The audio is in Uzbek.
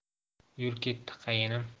yur ketdik qayinim